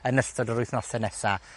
yn ystod yr wythnose nesa.